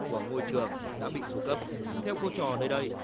của ngôi trường đã bị xuống cấp theo cô trò nơi đây